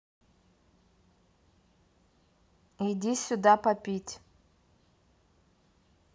иди сюда попить